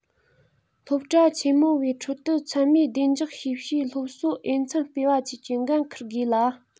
སློབ གྲྭ ཆེ མོ བའི ཁྲོད དུ མཚན མའི བདེ འཇགས ཤེས བྱའི སློབ གསོ འོས འཚམ སྤེལ བ བཅས ཀྱི འགན ཁུར དགོས ལ